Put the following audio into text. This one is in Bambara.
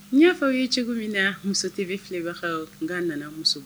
N y'a fɔ ye cogo min na muso tɛ bɛ filɛbaga n nana muso